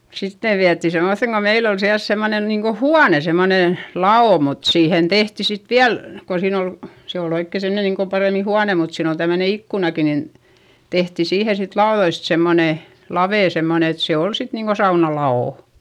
sitten ne vietiin semmoiseen kun meillä oli siellä semmoinen niin kuin huone semmoinen lavo mutta siihen tehtiin sitten vielä kun siinä oli se oli oikein semmoinen niin kun paremmin huone mutta siinä oli tämmöinen ikkunakin niin tehtiin siihen sitten laudoista semmoinen lave semmoinen että se oli sitten niin kuin saunan lavo